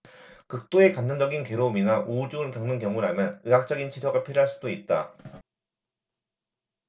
극도의 감정적인 괴로움이나 우울증을 겪는 경우라면 의학적인 치료가 필요할 수도 있다